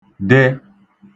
-de